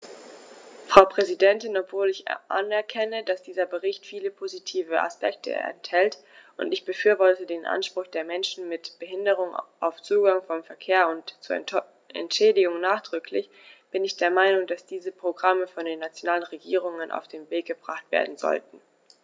Frau Präsidentin, obwohl ich anerkenne, dass dieser Bericht viele positive Aspekte enthält - und ich befürworte den Anspruch der Menschen mit Behinderung auf Zugang zum Verkehr und zu Entschädigung nachdrücklich -, bin ich der Meinung, dass diese Programme von den nationalen Regierungen auf den Weg gebracht werden sollten.